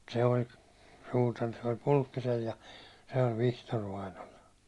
se oli suutari se oli Pulkkisella ja se oli Vihtori vainajalla